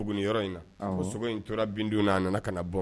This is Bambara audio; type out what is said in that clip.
Bonobo ni yɔrɔ in na, ko sogo in tora bin dunna a nana ka na bɔ